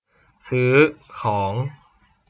ซื้อของ